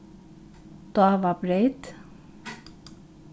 dávabreyt